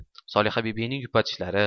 solihabibining yupatishlari